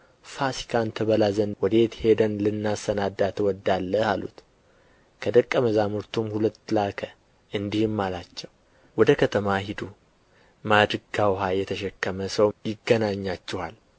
ፋሲካን በሚያርዱበት በቂጣ በዓል መጀመሪያ ቀን ደቀ መዛሙርቱ ፋሲካን ትበላ ዘንድ ወዴት ሄደን ልናሰናዳ ትወዳለህ አሉት ከደቀ መዛሙርቱም ሁለት ላከ እንዲህም አላቸው ወደ ከተማ ሂዱ ማድጋ ውኃ የተሸከመ ሰውም ይገናኛችኋል